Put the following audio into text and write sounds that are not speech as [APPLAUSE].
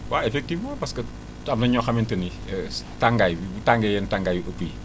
waaw effectivement parce que am na ñoo xamante ni [HESITATION] tàngaay wi bu tàngee yenn tàngaay yu ëpp yi